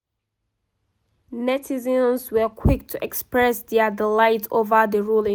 Netizens were quick to express their delight over the ruling.